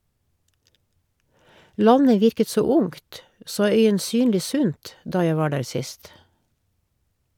Landet virket så ungt, så øyensynlig sunt , da jeg var der sist.